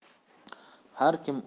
har kim o'zi